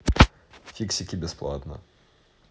фиксики бесплатно